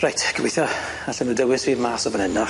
Reit, gobeithio allen nw dywys fi mas o fan 'yn nawr.